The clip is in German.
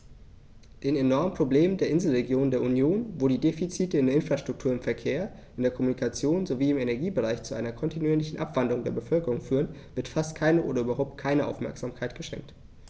Den enormen Problemen der Inselregionen der Union, wo die Defizite in der Infrastruktur, im Verkehr, in der Kommunikation sowie im Energiebereich zu einer kontinuierlichen Abwanderung der Bevölkerung führen, wird fast keine oder überhaupt keine Aufmerksamkeit geschenkt.